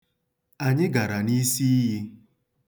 Anyị gara n'isiiyi.